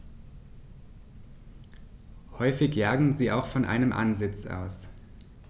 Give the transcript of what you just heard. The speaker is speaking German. Häufig jagen sie auch von einem Ansitz aus.